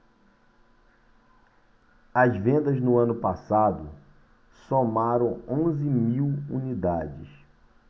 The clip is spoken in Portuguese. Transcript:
as vendas no ano passado somaram onze mil unidades